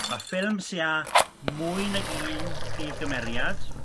Ma' ffilm sy' â mwy nag un prif gymeriad